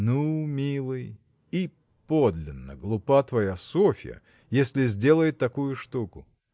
ну, милый, и подлинно глупа твоя Софья, если сделает такую штуку